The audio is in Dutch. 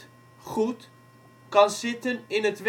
goed) kan zitten in het